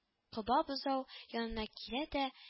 Коба бозау янына килә дә